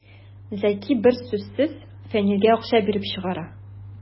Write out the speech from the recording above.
Зәки бер сүзсез Фәнилгә акча биреп чыгара.